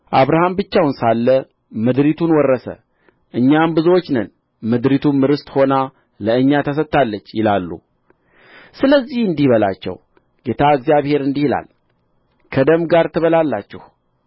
አብርሃም ብቻውን ሳለ ምድሪቱን ወረሰ እኛም ብዙዎች ነን ምድሪቱም ርስት ሆና ለእኛ ተሰጥታለች ይላሉ ስለዚህ እንዲህ በላቸው ጌታ እግዚአብሔር እንዲህ ይላል ከደም ጋር ትበላላችሁ